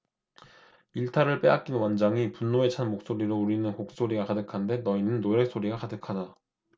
일타를 빼앗긴 원장이 분노에 찬 목소리로 우리는 곡소리가 가득한데 너희는 노랫소리가 가득하다